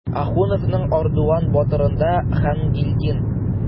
Ахуновның "Ардуан батыр"ында Хангилдин.